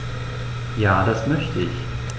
Ja, das möchte ich.